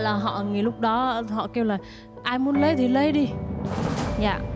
là họ nghị lúc đó họ kêu là ai muốn lấy thì lấy đi dạ